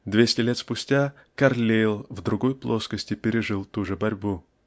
Двести лет спустя Карлейль в другой плоскости пережил ту же борьбу.